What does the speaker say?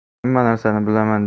hamma narsani bilaman